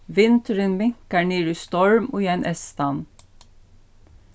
vindurin minkar niður í storm í ein eystan